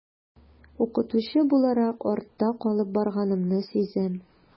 Укытучы буларак артта калып барганымны сизәм.